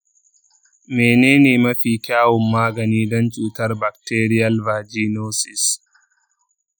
mene ne mafi kyawun magani don cutar bacterial vaginosis?